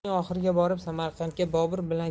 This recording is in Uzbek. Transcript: qishning oxiriga borib samarqandga bobur bilan